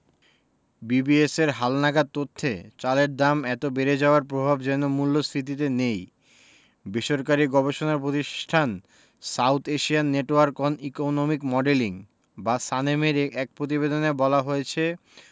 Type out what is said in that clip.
বিবিএসের হালনাগাদ তথ্যে চালের দাম এত বেড়ে যাওয়ার প্রভাব যেন মূল্যস্ফীতিতে নেই বেসরকারি গবেষণা প্রতিষ্ঠান South Asian Network on Economic Modelling বা সানেমের এক প্রতিবেদনে বলা হয়েছে